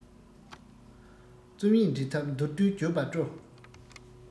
རྩོམ ཡིག འབྲི ཐབས མདོར བསྡུས བརྗོད ལ སྤྲོ